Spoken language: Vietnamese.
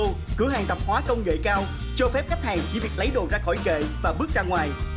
cửa hàng tạp hóa công nghệ cao cho phép khách hàng chỉ việc lấy đồ ra khỏi kệ và bước ra ngoài